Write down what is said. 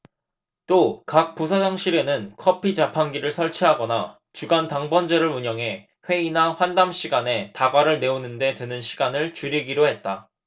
또 각 부서장실에는 커피자판기를 설치하거나 주간 당번제를 운영해 회의나 환담 시간에 다과를 내오는 데 드는 시간을 줄이기로 했다